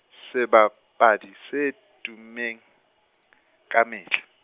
sebapadi se tummeng, kamehla.